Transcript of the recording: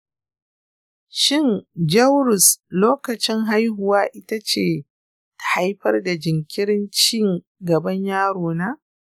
shin jauris lokacin haihuwa ita ce ta haifar da jinkirin ci gaban yarona?